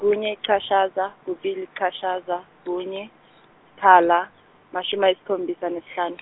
kunye yichashaza, kubili yichashaza, kunye, thala, mashumi ayisikhombisa nesihlanu .